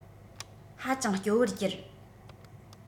ཧ ཅང སྐྱོ བར གྱུར